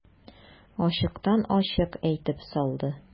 Ачыктан-ачык әйтеп салды.